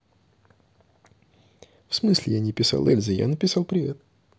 в смысле я не писал эльза и я писал привет